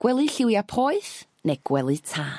Gwely lliwia' poeth ne' gwely tân.